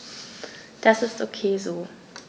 Das ist ok so.